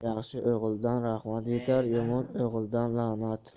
yaxshi o'g'ildan rahmat yetar yomon o'g'ildan la'nat